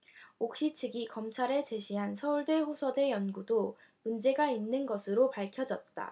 옥시 측이 검찰에 제시한 서울대 호서대 연구도 문제가 있는 것으로 밝혀졌다